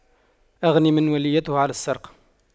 أغن من وليته عن السرقة